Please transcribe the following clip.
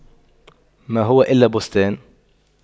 ما هو إلا بستان